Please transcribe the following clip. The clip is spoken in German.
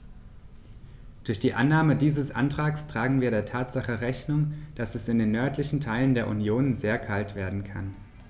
Durch die Annahme dieses Antrags tragen wir der Tatsache Rechnung, dass es in den nördlichen Teilen der Union sehr kalt werden kann.